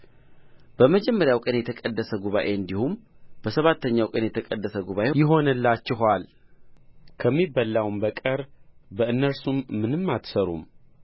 በመጀመሪያውም ቀን የተቀደሰ ጉባኤ እንዲሁም በሰባተኛውም ቀን የተቀደሰ ጉባኤ ይሆንላችኋል ከሚበላው በቀር በእነርሱም ምንም አትሠሩም